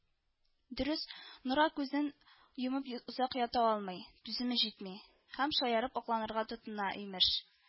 Дөрес, Нора күзен йомып озак ята алмый, түземе җитми һәм шаярып акланырга тотына, имеш